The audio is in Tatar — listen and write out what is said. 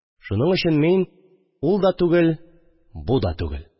Шуның өчен мин – ул да түгел, бу да түгел